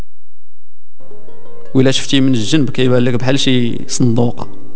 ولا اشتي منك شيء صندوق